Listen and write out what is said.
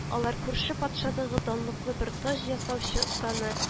Алар күрше патшадагы данлыклы бер таҗ ясаучы останы